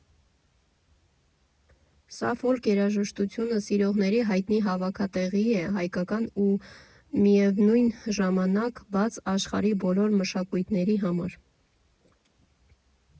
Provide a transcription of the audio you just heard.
Սա ֆոլք երաժշտությունը սիրողների հայտնի հավաքատեղի է՝ հայկական ու միևնույն ժամանակ բաց աշխարհի բոլոր մշակույթների համար։